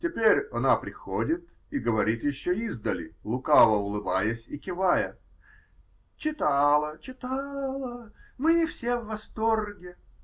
Теперь она приходит и говорит еще издали, лукаво улыбаясь и кивая: -- Читала, читала, мы все в восторге.